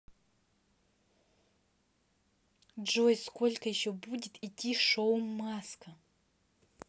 джой сколько еще будет идти шоу маска